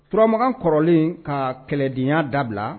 Turamagan kɔrɔlen ka kɛlɛdenya dabila